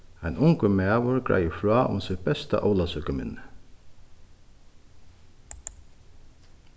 ein ungur maður greiðir frá um sítt besta ólavsøkuminni